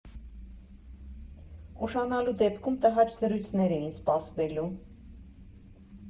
Ուշանալու դեպքում տհաճ զրույցներ էին սպասվելու.